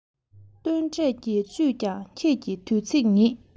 སྟོན འབྲས ཀྱི བཅུད ཀྱང ཁྱེད ཀྱི དུས ཚིགས ཉིད